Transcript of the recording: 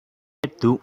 སླེབས འདུག